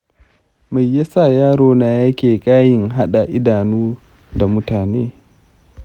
me yasa yarona yake ƙayin haɗa idanu da mutane